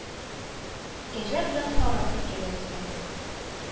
Кәҗә белән Сарык хикәясе